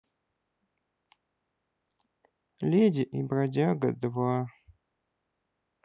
леди и бродяга два